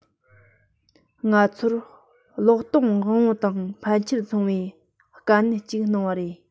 ང ཚོར གློག གཏོང དབང པོ དང ཕལ ཆེར མཚུངས པའི དཀའ གནད ཅིག གནང བ རེད